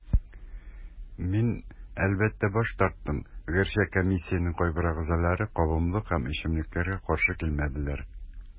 Мин, әлбәттә, баш тарттым, гәрчә комиссиянең кайбер әгъзаләре кабымлык һәм эчемлекләргә каршы килмәделәр.